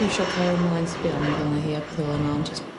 Dwi isio cario mlaen sbio amddana hi a petha fel yna on' jys